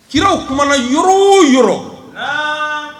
Kiraw tumaumana na yɔrɔ o yɔrɔ